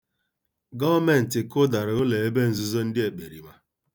Gọọmentị akụdara ụlọ ebe nzuzo ndị ekperima.